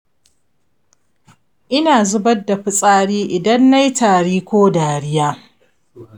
ina zubar da fitsari idan na yi tari ko dariya.